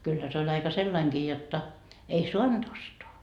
kyllä se oli aika sellainenkin jotta ei saanut ostaa